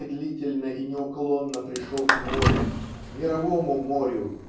медлительно и неуклонно пришел к морю к мировому морю